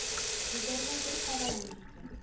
Күзләремә бер каравың житкән